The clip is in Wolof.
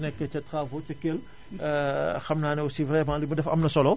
nekk ca Travo ca Kelle xam naa ne aussi vraiment li mu def am na solo